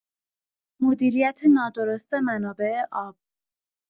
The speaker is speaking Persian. مدیریت نادرست منابع آب